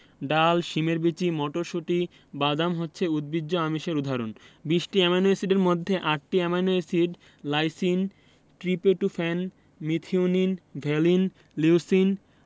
ডাল শিমের বিচি মটরশুঁটি বাদাম হচ্ছে উদ্ভিজ্জ আমিষের উদাহরণ ২০টি অ্যামাইনো এসিডের মধ্যে ৮টি amino acid lysine tryptophan methionine valine leucine